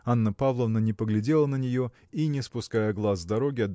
Анна Павловна не поглядела на нее и не спуская глаз с дороги